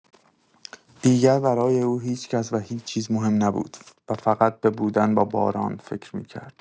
دیگر برای او هیچ‌کس و هیچ‌چیز مهم نبود و فقط به بودن با باران فکر می‌کرد.